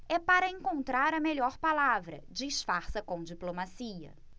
é para encontrar a melhor palavra disfarça com diplomacia